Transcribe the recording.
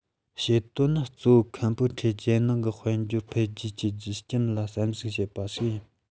བྱེད དོན ནི གཙོ བོ ཁམ ཕུ ཁྲེའི རྒྱལ ནང གི དཔལ འབྱོར འཕེལ རྒྱས ཀྱི རྒྱུ རྐྱེན ལ བསམ གཞིགས བྱས པ ཞིག ཡིན